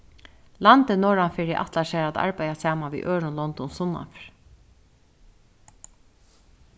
landið norðanfyri ætlar sær at arbeiða saman við øðrum londum sunnanfyri